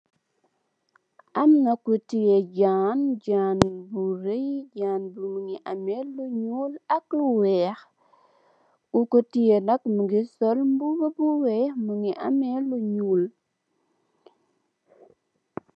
Amna ku teye jaan jaan bu raay jaan bi mongi ame lu nuul ak lu weex kuko tiye nak mongi sol mbuba bu weex mongi ame lu nuul.